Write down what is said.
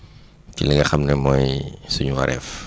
ci li nga xam ne mooy suñu wareef